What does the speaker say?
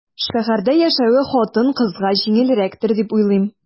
Шәһәрдә яшәве хатын-кызга җиңелрәктер дип уйлыйм.